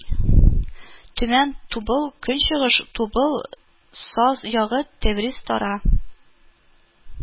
Төмән Тубыл Көнчыгыш тубыл Саз ягы Тевриз Тара